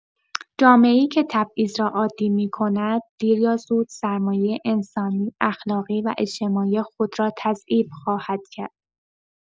جامعه‌ای که تبعیض را عادی می‌کند، دیر یا زود سرمایه انسانی، اخلاقی و اجتماعی خود را تضعیف خواهد کرد.